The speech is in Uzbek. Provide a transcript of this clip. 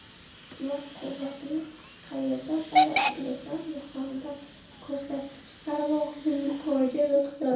ular quvvatni qaerdan oladi bilasanmi hamdam ko'rsatkich barmog'ini yuqoriga niqtadi